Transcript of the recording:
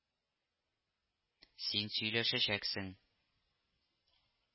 — син сөйләшәчәксең